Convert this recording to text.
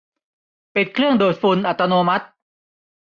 ปิดเครื่องดูดฝุ่นอัตโนมัติ